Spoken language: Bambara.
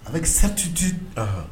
A bɛ kɛ sati di